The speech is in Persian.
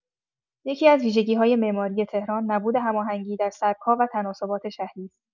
یکی‌از ویژگی‌های معماری تهران، نبود هماهنگی در سبک‌ها و تناسبات شهری است.